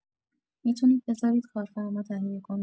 می‌تونید بزارید کارفرما تهیه کنه